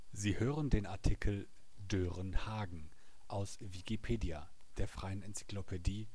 Sie hören den Artikel Dörenhagen, aus Wikipedia, der freien Enzyklopädie